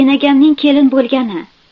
enamning kelin bo'lgani